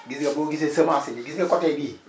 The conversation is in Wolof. gis nga boo gisee semncé bi gis nga côté bii